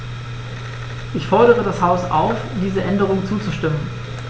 Ich fordere das Haus auf, diesen Änderungen zuzustimmen.